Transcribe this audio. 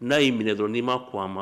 N'a yi minɛ dɔrɔn n'i ma kon a ma